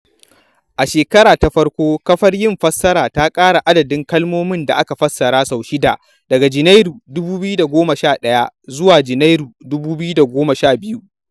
A shekararta ta farko, kafar yin fassara ta ƙara adadin kalmomin da aka fassara sau shida (daga Junairun 2011 zuwa Junairun 2012).